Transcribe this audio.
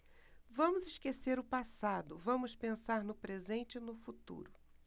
vamos esquecer o passado vamos pensar no presente e no futuro